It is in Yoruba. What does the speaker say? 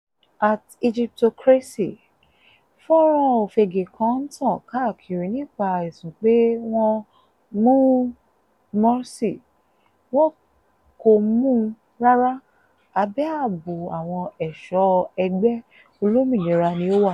@Egyptocracy: Fọ́nràn òfegè kan ń tàn káàkiri nípa ẹ̀sùn pé wọ́n "#mú Morsi", wọn kò mú u rárá, abẹ́ ààbò àwọn ẹ̀ṣọ́ ẹgbẹ́ olómìnira ni ó wà.